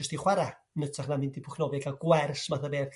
jyst i chwara' yn 'ytrach na mynd i pwll nofio ca'l gwers math o beth